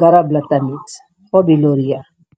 garabla tamit xobi loria.